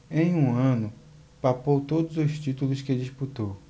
em um ano papou todos os títulos que disputou